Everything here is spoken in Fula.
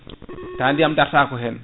taw ndiyam dartako hen